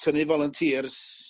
tynnuvolunteers